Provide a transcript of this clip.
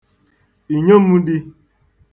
ìnyom̄dī